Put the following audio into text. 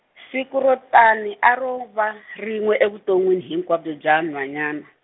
siku ro tani, a ro va, rin'we evuton'wini hinkwabyo bya nhwanyana.